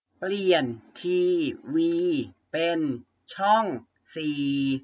เปลี่ยนทีวีเป็นช่องสี่